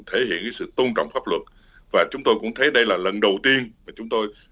thể hiện sự tôn trọng pháp luật và chúng tôi cũng thấy đây là lần đầu tiên và chúng tôi